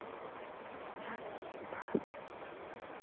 занзибар